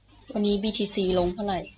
วันนี้บีทีซีลงเท่าไหร่